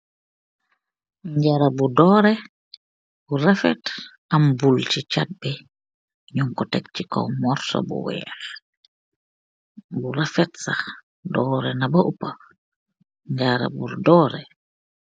Njaara bu doore bu rafet am bul ci cat be nun ko teg ci kow morso bu weex bu rafet sax doore na ba uppa njaara bur doore.